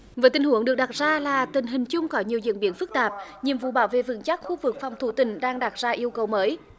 với tình huống được đặt ra là tình hình chung có nhiều diễn biến phức tạp nhiệm vụ bảo vệ vững chắc khu vực phòng thủ tỉnh đang đặt ra yêu cầu mới